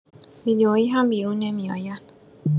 ویدئویی هم بیرون نمی‌آید.